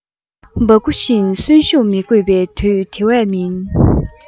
འབག སྐུ བཞིན གསོན ཤུགས མི དགོས པའི དུས དེ བས མིན